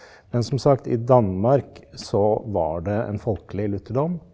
men som sagt i Danmark så var det en folkelig lutherdom.